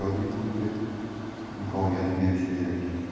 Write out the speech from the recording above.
ijodiy kun deb imkoniyat berish kerak